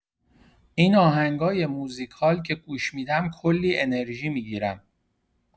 این آهنگای موزیکال که گوش می‌دم کلی انرژی می‌گیرم.